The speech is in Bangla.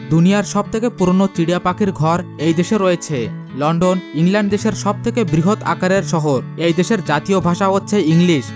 দুনিয়ার সব থেকে পুরনো চিরিয়া পাখির ঘর দেশে রয়েছে লন্ডন ইংল্যান্ড দেশের সব থেকে বৃহৎ আকারের শহর এ দেশের জাতীয় ভাষা হচ্ছে ইংলিশ